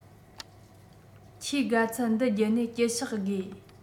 ཁྱིའི དགའ ཚལ འདི རྒྱུད ནས དཀྱིལ བཤགས དགོས